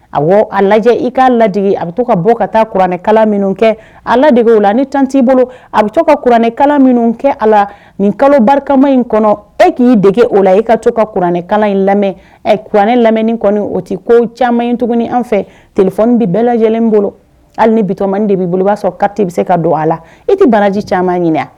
A a lajɛ i k'a lade a bɛ to ka bɔ ka taa kuranɛ kala minnu kɛ ala dege la ni t t'i bolo a bɛ to ka kuranɛkala minnu kɛ a la nin kalo barikama in kɔnɔ e k'i dege o la i ka to ka kuranɛ kala in lamɛn ɛ kuranɛ lamɛnni kɔni o tɛ ko caman in tuguni an fɛ t bɛ bɛɛ lajɛlenlen bolo hali ni bimani de bɛ bolo b'a kate bɛ se ka don a la i tɛ banaji caman ɲini